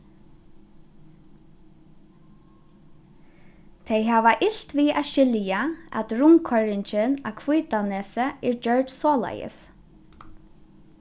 tey hava ilt við at skilja at rundkoyringin á hvítanesi er gjørd soleiðis